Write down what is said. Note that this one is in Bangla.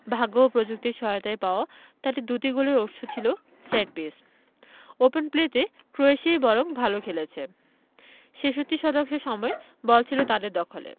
ভাগ্য ও প্রযুক্তির সহায়তায় পাওয়া তাদের দুটি গোলের উৎস ছিল সেটপিস ওপেন প্লেতে ক্রোয়েশিয়াই বরং ভালো খেলেছে ৬৬ শতাংশ সময় বল ছিল তাদের দখলে